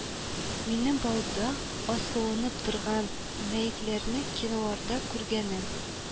Минем бауда асылынып торган мәетләрне киноларда күргәнем